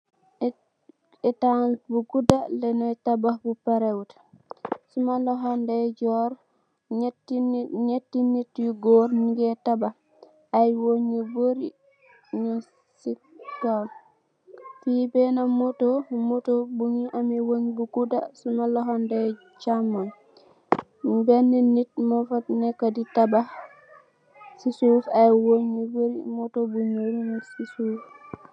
Etans bu gudda lañuy tabax të parewut, Suma loxo ndeyjoor, ñeeti nit yu goor ñu ngee tabax. Ay wéñge yu bëri, ñung si kowam. Fii ...suma loxo chaamoy, beenë nit moo fa neekë di tabax. Si suuf ay wéng yu bëri ñung si suuf.